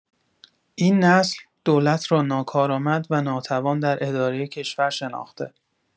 این نسل، دولت را ناکارآمد و ناتوان در اداره کشور شناخته